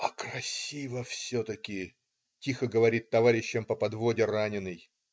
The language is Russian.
"А красиво все-таки",- тихо говорит товарищам по подводе раненый.